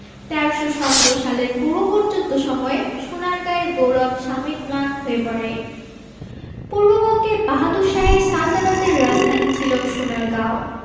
১৩১৭ সালের পূর্ব পর্যন্ত সময়ে সোনারগাঁয়ের গৌরব সাময়িক ম্লান হয়ে পড়ে পূর্ববঙ্গে বাহাদুর শাহের সালতানাতের রাজধানী ছিল সোনারগাঁও